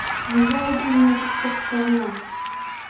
Нигә алдың мине көчле кочагыңа?